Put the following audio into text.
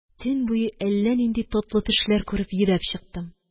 Төн буе әллә нинди татлы төшләр күреп йөдәп чыктым